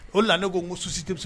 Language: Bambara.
O de la ne ko ŋo société be s